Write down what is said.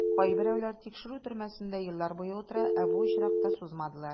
Кайберәүләр тикшерү төрмәсендә еллар буе утыра, ә бу очракта сузмадылар.